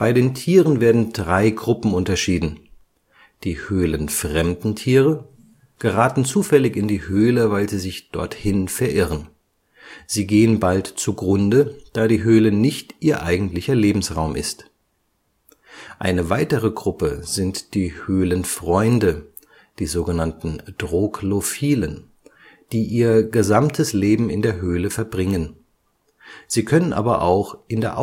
den Tieren werden drei Gruppen unterschieden. Die höhlenfremden Tiere geraten zufällig in die Höhle, weil sie sich dorthin verirren. Sie gehen bald zugrunde, da die Höhle nicht ihr eigentlicher Lebensraum ist. Eine weitere Gruppe sind die Höhlenfreunde (Troglophilen), die ihr gesamtes Leben in der Höhle verbringen. Sie können aber auch in der